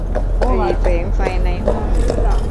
หรี่แสงไฟในห้อง